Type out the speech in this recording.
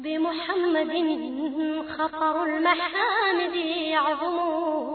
Denmugɛningɛninunɛgɛnin yo